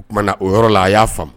O tuma na o yɔrɔ la a y'a faamu.